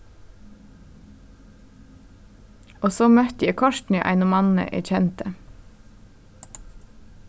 og so møtti eg kortini einum manni eg kendi